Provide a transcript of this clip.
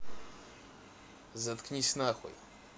заткнись нахуй